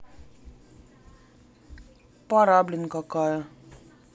пора блин какая